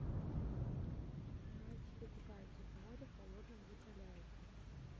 мальчики купаются в море холодном закаляются